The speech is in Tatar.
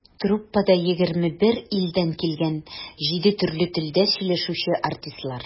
Труппада - 21 илдән килгән, җиде төрле телдә сөйләшүче артистлар.